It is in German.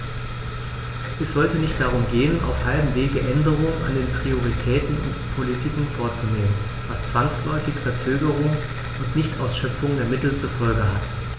Es sollte nicht darum gehen, auf halbem Wege Änderungen an den Prioritäten und Politiken vorzunehmen, was zwangsläufig Verzögerungen und Nichtausschöpfung der Mittel zur Folge hat.